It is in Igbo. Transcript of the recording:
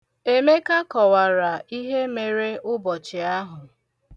Emeka kọwara ihe mere ụbọchị ahụ.